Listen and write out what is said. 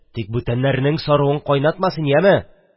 Тик бүтәннәрнең саруын кайнатма, яме!